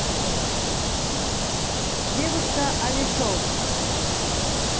девушка alishow